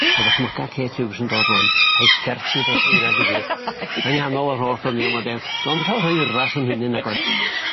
A ddychmyga Kate Hughes yn dod ŵan a'i sgert hi dros sgwydda di gyd. Yng nghanol yr holl ddynion 'ma de 'so'm llawar o urddas yn hynny nag oedd?